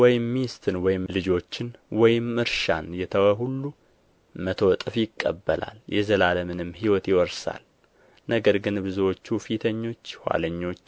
ወይም ሚስትን ወይም ልጆችን ወይም እርሻን የተወ ሁሉ መቶ እጥፍ ይቀበላል የዘላለምንም ሕይወት ይወርሳል ነገር ግን ብዙዎቹ ፊተኞች ኋለኞች